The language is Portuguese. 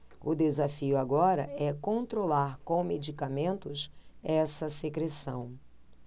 o desafio agora é controlar com medicamentos essa secreção